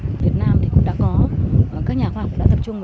việt nam thì cũng đã có ở các nhà khoa học đã tập trung